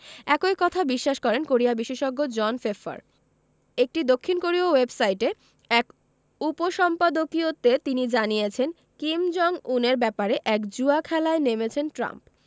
একই কথা বিশ্বাস করেন কোরিয়া বিশেষজ্ঞ জন ফেফফার একটি দক্ষিণ কোরীয় ওয়েবসাইটে এক উপসম্পাদকীয়তে তিনি জানিয়েছেন কিম জং উনের ব্যাপারে এক জুয়া খেলায় নেমেছেন ট্রাম্প